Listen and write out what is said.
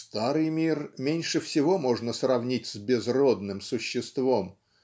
"старый мир" меньше всего можно сравнить с "безродным" существом